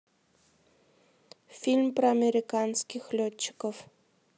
фильм про американских летчиков